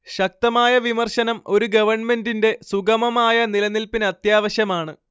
ശക്തമായ വിമർശനം ഒരു ഗവൺമെന്റിന്റെ സുഗമമായ നിലനില്പിനത്യാവശ്യമാണ്